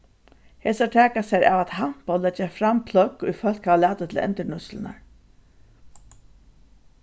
hesar taka sær av at hampa og leggja fram pløgg ið fólk hava latið til endurnýtslurnar